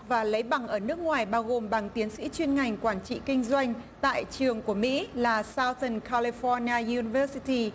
và lấy bằng ở nước ngoài bao gồm bằng tiến sĩ chuyên ngành quản trị kinh doanh tại trường của mỹ là sao từm ca li phóc ni a iu ni vơ si ti